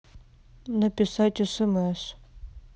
написать смс